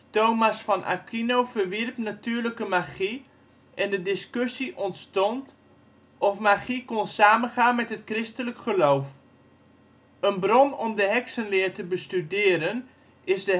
Thomas van Aquino verwierp natuurlijke magie en de discussie ontstond of magie kon samengaan met het christelijk geloof. Een bron om de heksenleer te bestuderen is de Heksenhamer